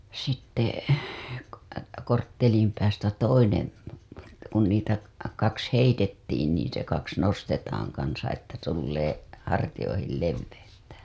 sitten - korttelin päästä toinen kun niitä kaksi heitettiin niin se kaksi nostetaan kanssa että tulee hartioihin leveyttä